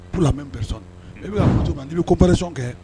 P mɛ i b muso n' bɛ koɛeresɔn kɛ